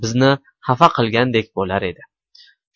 bizni xafa qilgandek bo'lar edi